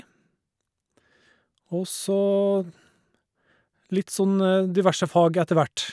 Og så litt sånn diverse fag etter hvert.